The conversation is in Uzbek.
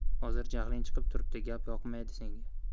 hozir jahling chiqib turibdi gap yoqmaydi senga